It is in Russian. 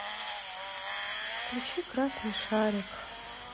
включи красный шарик